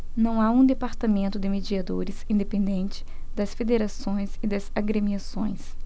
não há um departamento de mediadores independente das federações e das agremiações